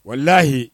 O lahi